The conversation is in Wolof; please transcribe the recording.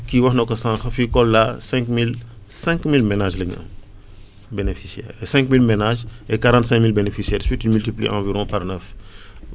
kii wax na ko sànq fii Kolda cinq mille cinq mille ménages la ñu am bénéficiares et cinq mille ménages et quarante cinq mille bénéficiares si tu multiplies encviron par neuf